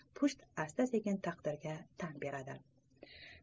pusht asta sekin taqdirga tan beradi